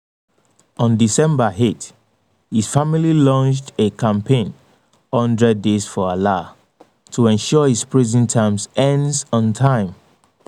On December 8, his family launched a campaign — "100 days for Alaa" — to ensure his prison term ends on time.